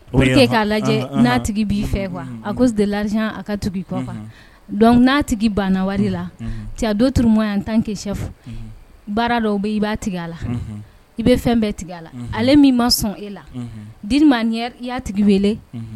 O ka lajɛ n'a b i fɛ a ko la a ka tugu n'a tigi bana wari la cɛto tma tan ke shɛfu baara dɔw bɛ i b' tigi a la i bɛ fɛn bɛɛ tigi a la ale min ma sɔn e la di i' tigi wele